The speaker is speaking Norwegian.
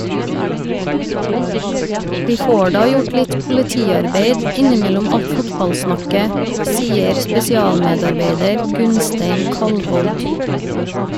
- Vi får da gjort litt politiarbeid innimellom alt fotballsnakket, sier spesialmedarbeider Gunnstein Kallhovd.